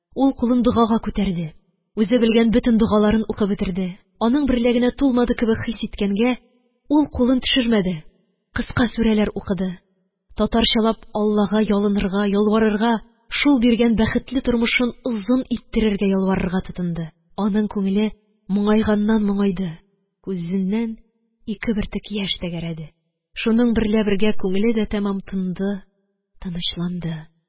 Ул кулын догага күтәрде. Үзе белгән бөтен догаларын укып бетерде. Аның берлә генә тулмады кебек хис иткәнгә, ул кулын төшермәде. Кыска сүрәләр укыды. Татарчалап Аллага ялынырга, ялварырга, шул биргән бәхетле тормышын озын иттерергә ялварырга тотынды. Аның күңеле моңайганнан-моңайды, күзеннән ике бөртек яшь тәгәрәде. Шуның берлә бергә күңеле дә тәмам тынды, тынычланды.